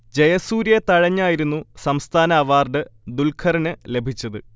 ജയസൂര്യയെ തഴഞ്ഞായിരുന്നു സംസ്ഥാന അവാർഡ് ദുല്ഖറിനു ലഭിച്ചത്